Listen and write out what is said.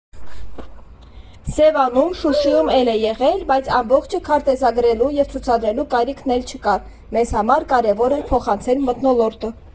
Սևանում, Շուշիում էլ է եղել, բայց ամբողջը քարտեզագրելու ու ցուցադրելու կարիքն էլ չկար։ Մեզ համար կարևոր էր փոխանցել մթնոլորտը։